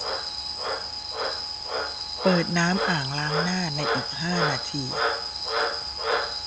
เปิดน้ำอ่างล้างหน้าในอีกห้านาที